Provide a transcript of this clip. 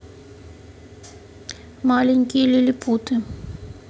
маленькие лилипуты